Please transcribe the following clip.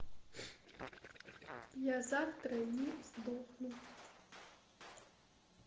я завтра не сдохну